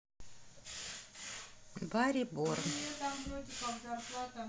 бэби борн